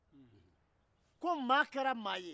muso de don musoya ye o de ye